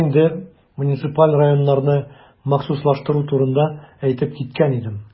Мин инде муниципаль районнарны махсуслаштыру турында әйтеп киткән идем.